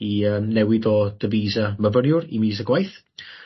i yym newid o dy visa myfyriwr i visa gwaith.